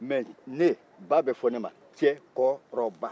mai ne ba bɛ fɔ ne ma cɛkɔrɔba